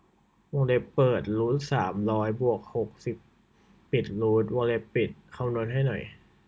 วงเล็บเปิดรูทสามร้อยบวกหกสิบปิดรูทวงเล็บปิดคำนวณให้หน่อย